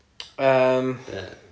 yym